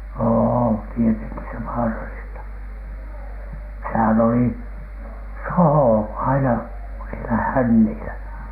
on tietenkin se vaarallista sehän oli soho aina siellä hännillä